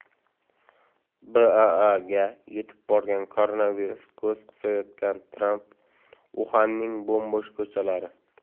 baaga yetib borgan koronavirus ko'z qisayotgan tramp uxanning bo'm bo'sh ko'chalari